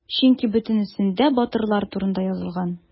Чөнки бөтенесендә батырлар турында язылган.